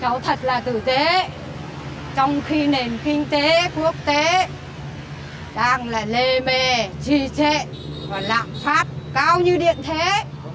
cháu thật là tử tế trong khi nền kinh tế quốc tế đang là lề mề trì trệ và lạm phát cao như điện thế